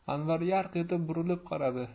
anvar yarq etib burilib qaradi